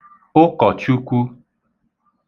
ụkọ̀chukwu